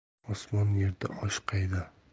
oson yerda osh qayda